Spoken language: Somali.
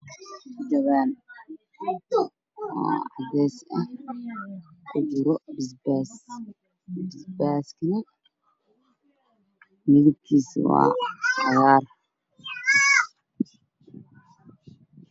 Jawaan oo cadays ah ku jiro bas baas bas baaskana midabkiisu waa cagaar